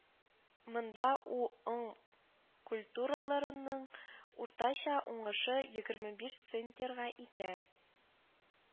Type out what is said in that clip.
Монда у ым культураларының уртача уңышы егерме биш центнерга итә